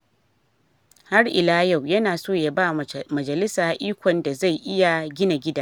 Har ila yau, yana so ya ba majalisa ikon da zai iya gina gidaje.